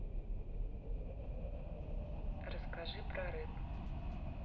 расскажи про рыб